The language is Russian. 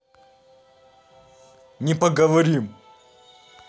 не поговорим